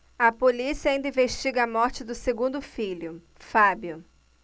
a polícia ainda investiga a morte do segundo filho fábio